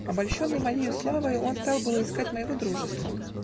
Обольщенный моею славою, он стал было искать моего дружества